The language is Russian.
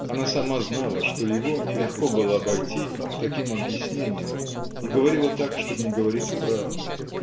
Она сама знала, что его нелегко было обойти таким объяснением, и говорила так, чтоб не говорить правды.